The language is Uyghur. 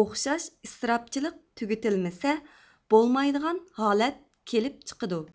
ئوخشاش ئىسراپچىلىق تۈگىتىلمىسە بولمايدىغان ھالەت كېلىپ چىقىدۇ